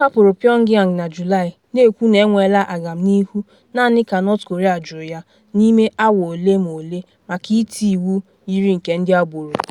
Ọ hapụrụ Pyongyang na Julaị na-ekwu na enwela agamnihu, naanị ka North Korea jụ ya n’ime awa ole ma ole maka iti “iwu yiri nke ndị agboro.”